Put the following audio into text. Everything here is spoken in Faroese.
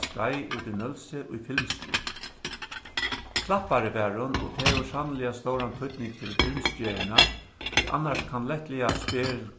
skeið úti í nólsoy í filmsgerð klappari var hon og tað hevur sanniliga stóran týdning fyri filmsgerðina tí annars kann lættliga sperðil